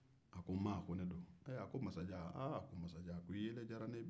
a ko ne don ma a ko masajan wa a ko masajan i yelen diyara ne ye bi koyi e m'a don an famana